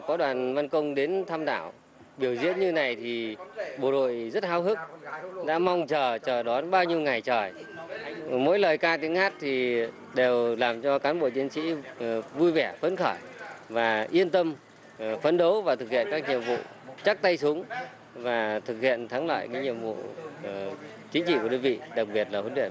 có đoàn văn công đến thăm đảo biểu diễn như này thì bộ đội rất háo hức đã mong chờ chờ đón bao nhiêu ngày trời mỗi lời ca tiếng hát thì đều làm cho cán bộ chiến sĩ vui vẻ phấn khởi và yên tâm phấn đấu và thực hiện các nhiệm vụ chắc tay súng và thực hiện thắng lợi cái nhiệm vụ chính trị của đơn vị đặc biệt là vấn đề